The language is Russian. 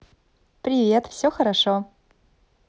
привет все хорошо